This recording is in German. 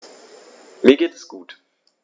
Mir geht es gut.